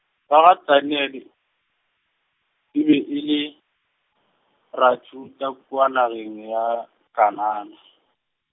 ba gaDaniele, e be e le, Bajuda kua nageng ya, Kanana.